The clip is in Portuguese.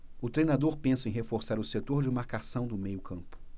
o treinador pensa em reforçar o setor de marcação do meio campo